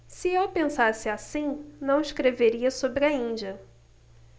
se eu pensasse assim não escreveria sobre a índia